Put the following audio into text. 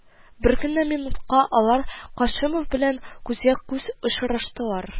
Бер генә минутка алар Кашимов белән күзгә-күз очраштылар